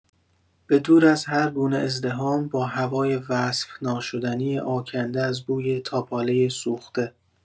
به دور از هرگونه ازدحام، با هوای وصف‌ناشدنی آکنده از بوی ناب تاپالۀ سوخته